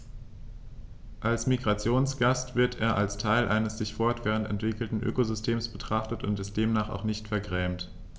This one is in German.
Als Migrationsgast wird er als Teil eines sich fortwährend entwickelnden Ökosystems betrachtet und demnach auch nicht vergrämt.